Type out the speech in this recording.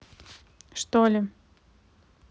что ли